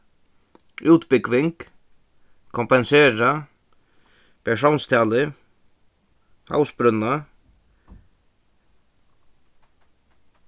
útbúgving kompensera persónstali havsbrúnna